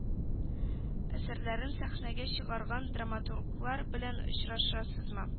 Әсәрләрен сәхнәгә чыгарган драматурглар белән очрашасызмы